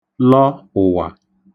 lọ ụ̀wà